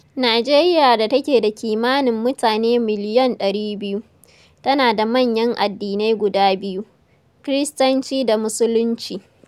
Nijeriya da take da kimanin mutane miliyon 200, tana da manyan addinai guda biyu: Kiristanci da Musulunci.